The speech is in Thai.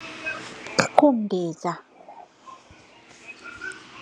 ก็คุ้มดีจ้ะ